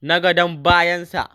na gadon bayansa.